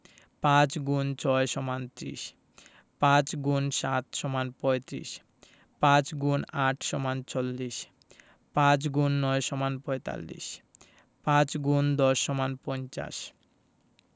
৫x ৬ = ৩০ ৫× ৭ = ৩৫ ৫× ৮ = ৪০ ৫x ৯ = ৪৫ ৫×১০ =৫০